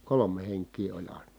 kolme henkeä oli aina